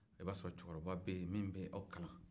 i b'a sɔrɔ cekɔrɔba bɛ yen min b'aw kalan